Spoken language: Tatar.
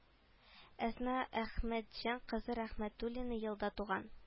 Әсма әхмәтҗан кызы рәхмәтуллина елда туган